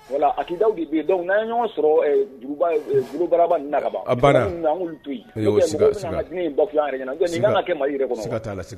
Voilà a kindaw de be ye donc n'an ye ɲɔgɔn sɔrɔ ɛ jurubay e jugubaraba ninnu na kaban a banna imam ninnu an ŋ'olu to yen i y'o siga siga ɲɔntɛ mɔgɔw ben'a an ŋa dinɛ in bafouer an yɛrɛ ɲɛna ɲɔntɛ nin kaan ka kɛ Mali yɛrɛ kɔnɔ wa siga t'a la sig